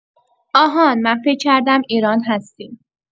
آهان من فکر کردم ایران هستین